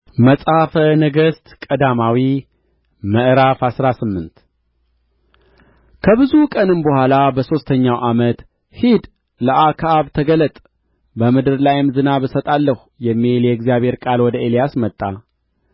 መጽሐፈ ነገሥት ቀዳማዊ ምዕራፍ አስራ ስምንት ከብዙ ቀንም በኋላ በሦስተኛው ዓመት ሂድ ለአክዓብ ተገለጥ በምድር ላይም ዝናብ እሰጣለሁ የሚል የእግዚአብሔር ቃል ወደ ኤልያስ መጣ